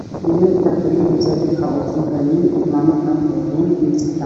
Nin dhex fadhin masaajid ducaale fadhiya nin wata cimaamad icovid